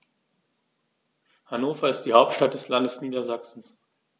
Hannover ist die Hauptstadt des Landes Niedersachsen.